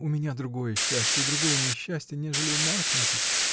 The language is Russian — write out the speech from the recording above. у меня другое счастье и другое несчастье, нежели у Марфиньки.